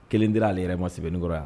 1 dila ale yɛrɛma sebenikɔrɔ yan.